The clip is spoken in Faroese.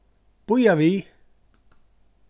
bíða við